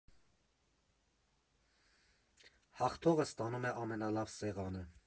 Հաղթողը ստանում է ամենալավ սեղանը։